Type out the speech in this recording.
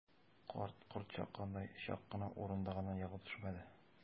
Карт, корт чаккандай, чак кына урындыгыннан егылып төшмәде.